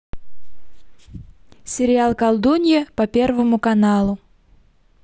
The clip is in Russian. сериал колдунья по первому каналу